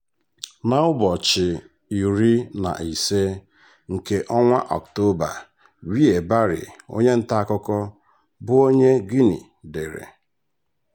N'ụbọchị 15 nke Ọktoba, Bhiye Bary. onye ntaakụkọ bụ onye Guinea, dere: